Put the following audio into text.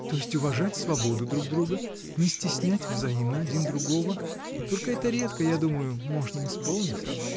— То есть уважать свободу друг друга, не стеснять взаимно один другого: только это редко, я думаю, можно исполнить.